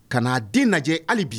Ka n'a den lajɛ hali bi